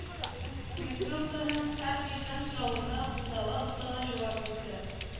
Инструкторның һәр биргән соравына бутала-бутала җавап бирделәр